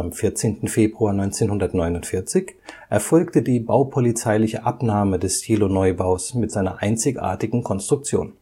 14. Februar 1949 erfolgte die baupolizeiliche Abnahme des Siloneubaus mit seiner einzigartigen Konstruktion